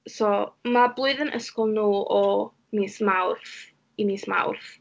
So ma' blwyddyn ysgol nhw o mis Mawrth i mis Mawrth.